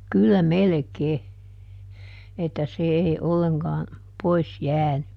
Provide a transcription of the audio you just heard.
kyllä melkein että se ei ollenkaan pois jäänyt